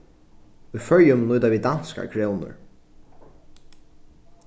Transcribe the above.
í føroyum nýta vit danskar krónur